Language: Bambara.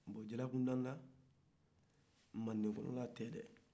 o jalamundanda manden kɔnɔna tɛ dɛ